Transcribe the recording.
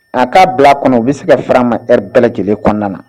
A k'a bil'a kɔnɔ u bɛ se ka fɛr'a ma heure bɛɛ lajɛlen kɔnɔna na.